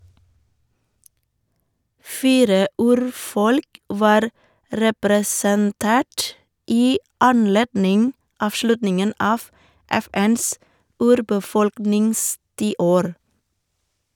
Fire urfolk var representert i anledning avslutningen av FNs urbefolkningstiår.